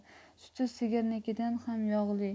suti sigirnikidan ham yog'li